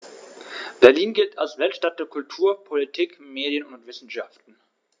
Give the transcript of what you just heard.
Berlin gilt als Weltstadt der Kultur, Politik, Medien und Wissenschaften.